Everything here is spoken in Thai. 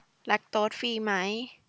แลคโตสฟรีไหม